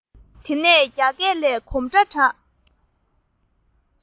སྒོ ནས ཁྱིམ གྱི རྒད པོ དང མཉམ དུ